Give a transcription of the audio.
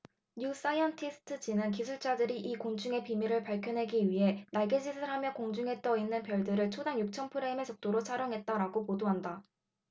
뉴 사이언티스트 지는 기술자들이 이 곤충의 비밀을 밝혀내기 위해 날갯짓을 하며 공중에 떠 있는 벌들을 초당 육천 프레임의 속도로 촬영했다라고 보도한다